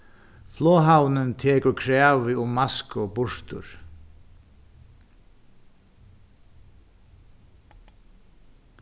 floghavnin tekur kravið um masku burtur